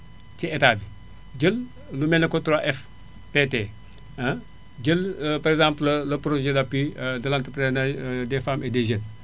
ci Etat bi jël lu mel ne que 3FPT ah jël par exemple le projet d' appui de l' entreprenariat des femmes et des jeunes